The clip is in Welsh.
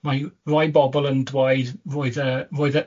Mae r- rai bobl yn dweud roedd yy roedd y